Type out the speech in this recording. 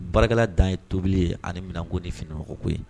Baarakɛlala dan ye tobili ye ani ko de fmɔgɔko ye